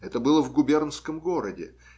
Это было в губернском городе